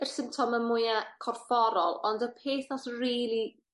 yr symptome mwya corfforol ond y peth os rili